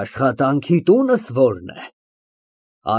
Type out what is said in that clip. Աշխատանքի տո՞ւնս որն է։